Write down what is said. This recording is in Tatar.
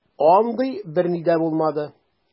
Андый берни дә булмады.